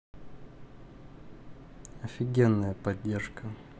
офигенная поддержка